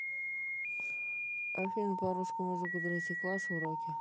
афина по русскому языку третий класс уроки